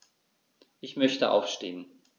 Ich möchte aufstehen.